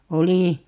oli